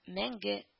Мәңге